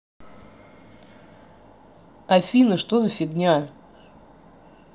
афина что за фигня